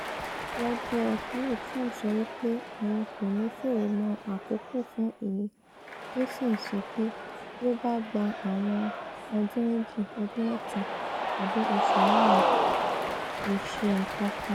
Lọ́jọ́ Rú, Trump sọ pé òun kò ní àkókò tí yóò fi ṣe èyí, ó ní "Bí ó bá gba ọdún méjì, ọdún mẹ́ta tàbí oṣù márùn-ún - kò ṣe pàtàkì".